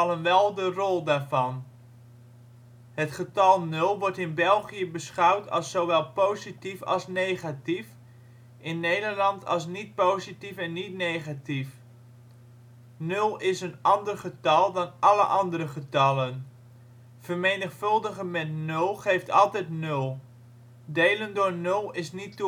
wel de rol daarvan. Het getal 0 wordt in België beschouwd als zowel positief als negatief, in Nederland als niet positief en niet negatief. Nul is een ander getal dan alle andere getallen: vermenigvuldigen met nul geeft altijd nul; delen door nul is niet